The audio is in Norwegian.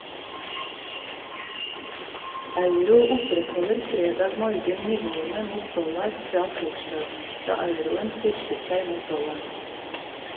Euro opprettholder fredag morgen nivåene mot dollar fra torsdag, da euroen styrket seg mot dollar.